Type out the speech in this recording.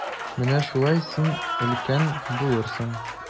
Менә шулай, син өлкән булырсың.